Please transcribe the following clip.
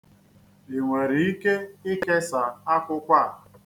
I nwere ike ikesa akwụkwọ a?